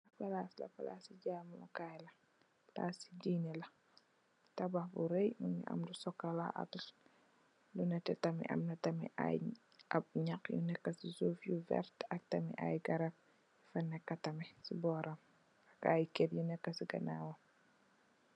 Palaasi la, palasi jamokaay, palasi dine la, tabax bu rey, mingi am lu sokola, ay lu nete tamin, am tamit ay nax yu neka si suuf yu verta ak tamint ay garab yu fa nekk tamit si booram, ay ker yu neka si gannawam.